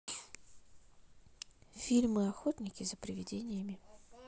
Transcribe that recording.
фильмы охотники за привидениями